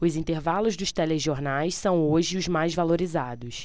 os intervalos dos telejornais são hoje os mais valorizados